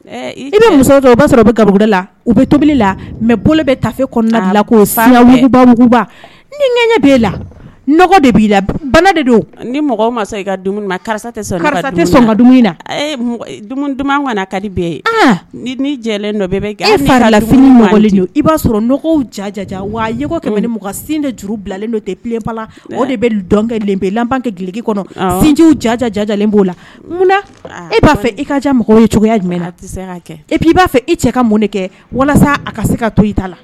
I bɛ muso b'a bɛ gadala u bɛ tobili la mɛ bolo bɛ tafe kɔnɔna koba ni b' e la de b'i la bana de don ni mɔgɔ ma i ka karisa karisa ka na duman ka ka di bɛɛ ye dɔ e farala don i b'a sɔrɔ dɔgɔw ja wako kɛmɛ ni mɔgɔ sin de juru bilalen don tɛ pebala o de bɛ dɔnkɛ pe kɛ giliki kɔnɔ sinjw jalen b'o la munna e b'a fɛ i ka mɔgɔ ye cogoya jumɛn tɛ kɛ i b'a fɛ e cɛ ka mun de kɛ walasa a ka se ka to i ta la